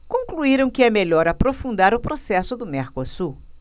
concluíram que é melhor aprofundar o processo do mercosul